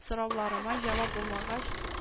Сорауларыма җавап булмагач